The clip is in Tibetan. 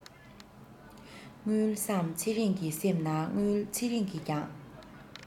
དངུལ བསམ ཚེ རིང གི སེམས ནང དངུལ ཚེ རིང གིས ཀྱང